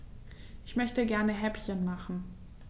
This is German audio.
Ich möchte gerne Häppchen machen.